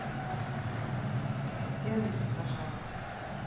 сделайте пожалуйста